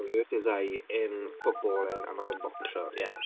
He hurt is eye in footballing a mae fe'n bocsiwr ie.